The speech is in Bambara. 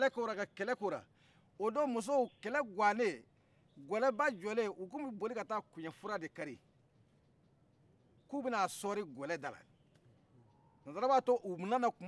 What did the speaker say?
gɛlɛba jɔlen u k'u bɛ boli ka taa kunjɛ fura de kari k'u bɛ n'a sɔri gɛlɛ da la ɲɔgɔntumana u nana tuma min na